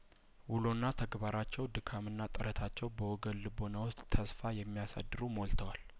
ውሎና ተግባራቸው ድካምና ጥረታቸው በወገን ልቦና ውስጥ ተስፋ የሚያሳድሩ ሞልተዋል